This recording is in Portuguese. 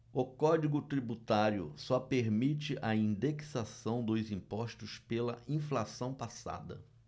o código tributário só permite a indexação dos impostos pela inflação passada